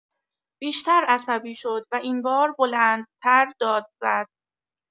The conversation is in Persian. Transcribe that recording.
بیشتر عصبی شد و این بار بلندتر داد زد